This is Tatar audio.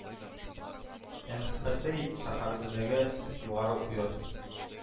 – энхытыи– шәһәребездәге төп югары уку йорты,